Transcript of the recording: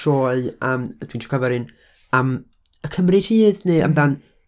sioe am, dwi'n trio cofio'r un am y Cymry rhydd, neu amdan...